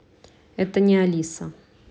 это не алиса